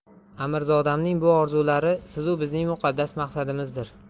amirzodamning bu orzulari sizu bizning muqaddas maqsadimizdir